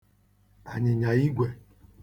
ànyị̀nyà igwè